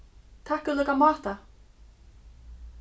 takk í líka máta